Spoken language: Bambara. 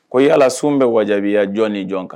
Ko ala sun bɛɛ wajibiya jɔn ni jɔn kan